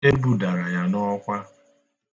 E budara ya n'ọkwa.